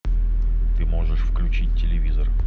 ты можешь включить телевизор